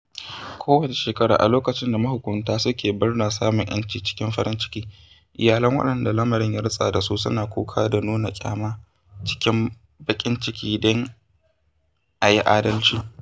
Kowace shekara, a lokacin da mahukunta suke murnar samun 'yanci cikin farin ciki, iyalan waɗanda lamarin ya rutsa da su suna kuka da nuna ƙyama cikin baƙin ciki don a yi adalci